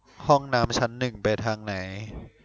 ห้องน้ำชั้นหนึ่งไปทางไหน